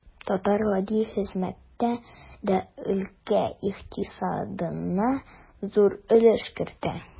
Татар гади хезмәттә дә өлкә икътисадына зур өлеш кертә.